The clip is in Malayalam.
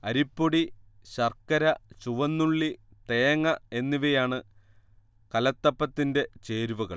അരിപ്പൊടി ശർക്കര ചുവന്നുള്ളി തേങ്ങ എന്നിവയാണ് കലത്തപ്പത്തിന്റെ ചേരുവകൾ